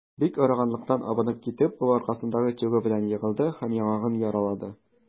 Бик арыганлыктан абынып китеп, ул аркасындагы тюгы белән егылды һәм яңагын яралады.